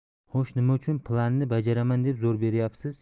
xo'sh nima uchun planni bajaraman deb zo'r beryapsiz